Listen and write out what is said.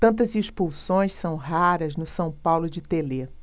tantas expulsões são raras no são paulo de telê